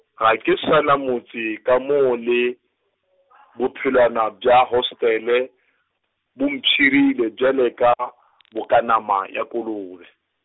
ga ke sa na motse ka mo le, bophelwana bja hostele , bo mpshirile bjale ka, boka nama bja kolobe.